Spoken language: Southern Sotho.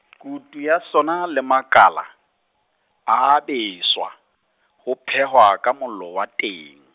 kutu ya sona le makala, a a beswa, ho phehwa, ka mollo wa teng.